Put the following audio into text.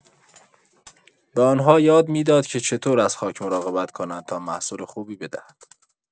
به آن‌ها یاد می‌داد که چطور از خاک مراقبت کنند تا محصول خوبی بدهد.